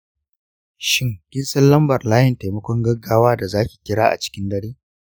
shin kinsan lambar layin taimakon gaggawa da zaki kira cikin dare?